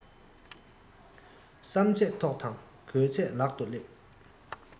བསམ ཚད ཐོག དང དགོས ཚད ལག ཏུ ཐེབས